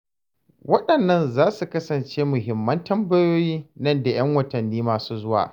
Waɗannan za su kasance muhimman tambayoyi nan da 'yan watanni masu zuwa.